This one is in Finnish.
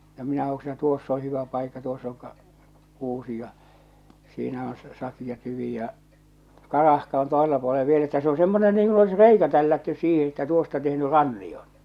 no minä hoksin että tuossa on hyvä paikka tuossa on - kuusi ja siinä on - sakea tyvi ja karahka on toisella puolen vielä että se on semmoinen niin kuin olisi reikä tällätty siihen että tuosta tehnyt rannion